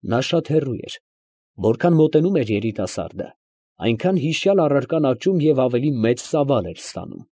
Նա շատ հեռու էր։ Որքան մոտենում էր երիտասարդը, այնքան հիշյալ առարկան աճում և ավելի մեծ ծավալ էր ստանում։